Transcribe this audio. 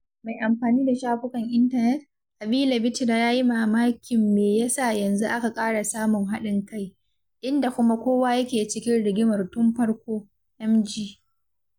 Mai amfani da shafukan intanet, Avylavitra ya yi mamakin me ya sa yanzu aka ƙara samun haɗin-kai, inda kuma kowa yake cikin rigimar tun farko (mg)?.